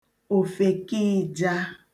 òfèkịị̀ja